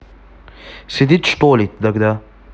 сидеть что ли тогда